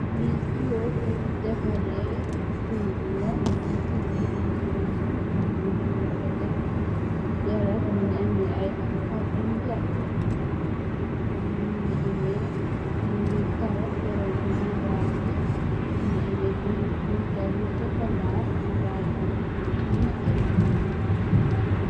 Fi soh bun, defarè suuf la, mung ci biir mungi ameh suuf bu ñuul nung fa def garab mungi ameh ay hoop yu vert. Fi mungi ameh, fi nungi karo pèron bi, maraj bi, mungi ameh bunta bu sokola, maraj bi nètè.